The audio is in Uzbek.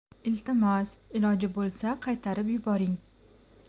iltimos iloji bo'lsa qaytarib yuboring